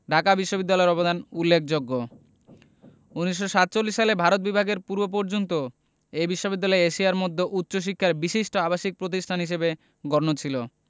ঢাকা বিশ্ববিদ্যালয়ের অবদান উল্লেখযোগ্য ১৯৪৭ সালে ভারত বিভাগের পূর্বপর্যন্ত এ বিশ্ববিদ্যালয় এশিয়ার মধ্যে উচ্চশিক্ষার বিশিষ্ট আবাসিক প্রতিষ্ঠান হিসেবে গণ্য ছিল